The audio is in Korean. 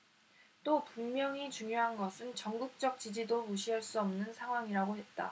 또 분명히 중요한 것은 전국적 지지도 무시할 수 없는 상황이라고 했다